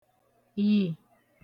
yì